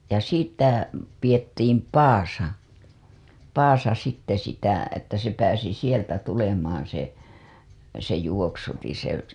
ja sitä pidettiin padassa padassa sitten sitä että se pääsi sieltä tulemaan se se juoksutin se